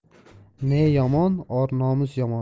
ne yomon or nomus yomon